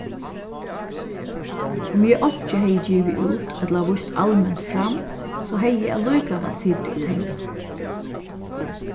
um eg einki hevði givið út ella víst alment fram so hevði eg allíkavæl sitið og teknað